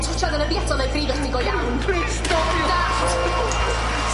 Twtsiad arno fi eto na'i brifo chdi go iawn. Plî- plîs stopiwch.